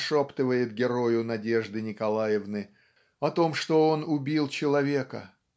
нашептывает герою "Надежды Николаевны" о том что он убил человека.